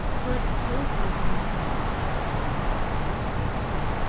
hvør tók hesa myndina